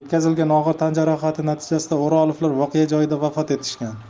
yetkazilgan og'ir tan jarohati natijasida o'rolovlar voqea joyida vafot etishgan